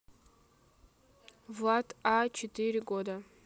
влад а четыре года